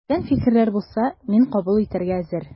Бүтән фикерләр булса, мин кабул итәргә әзер.